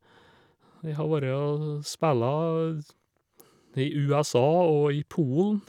Jeg har vorre og spella s i USA og i Polen.